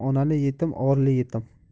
onali yetim orli yetim